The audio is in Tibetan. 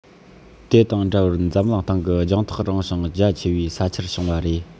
དེ དང འདྲ བར འཛམ གླིང སྟེང གི རྒྱང ཐག རིང ཞིང རྒྱ ཆེ བའི ས ཆར བྱུང བ རེད